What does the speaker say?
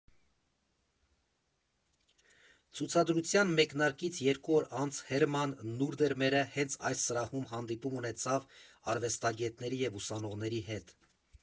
Ցուցադրության մեկնարկից երկու օր անց Հերման Նուրդերմերը հենց այս սրահում հանդիպում ունեցավ արվեստագետների և ուսանողների հետ։